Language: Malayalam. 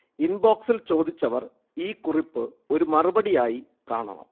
ഇൻബോക്സിൽ ചോദിച്ചവർ ഈ കുറിപ്പ് ഒരു മറുപടി ആയി കാണണം